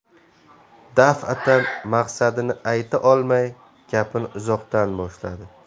daf'atan maqsadini ayta olmay gapini uzoqdan boshladi